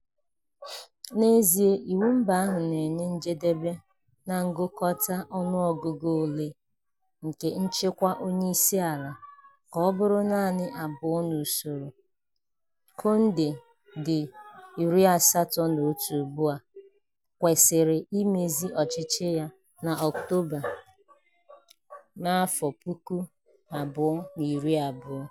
N'ezie, iwu mba ahụ na-enye njedebe na ngụkọta ọnuọgụgu ole nke nchịkwa onyeisi ala ka ọ buru naanị abụọ n'usoro. Condé, dị 81 ugbu a, kwesịrị imezu ọchịchị ya n'Ọktoba 2020.